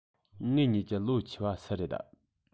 ངེད གཉིས ཀྱི ལོ ཆེ བ སུ རེད